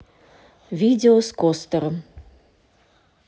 видео с костером